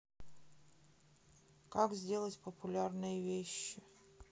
как сделать популярные вещи